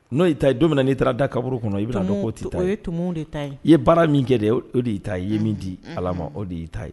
N'o y'i ta ye don min na n'i taara da kaburu kɔnɔ i ben'a dɔn k'o t'i ta ye o o ye tumun de ta ye i ye baara min kɛ dɛ o o de y'i ta ye i ye min dii Ala ma o de y'i ta ye